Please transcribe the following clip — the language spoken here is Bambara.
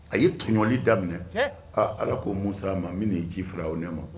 A ye tli daminɛ aa ala k'o musa ma min ye ji fara o nɛ ma